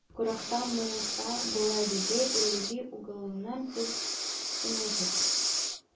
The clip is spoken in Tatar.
Корахка Муса болай диде: Әй Леви угыллары, тыңлагыз!